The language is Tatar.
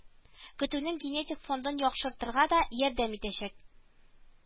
Көтүнең генетик фондын яхшыртырга да ярдәм итәчәк